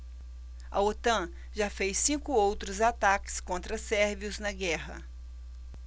a otan já fez cinco outros ataques contra sérvios na guerra